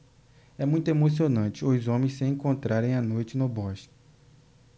é muito emocionante os homens se encontrarem à noite no bosque